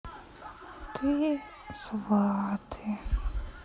ты сваты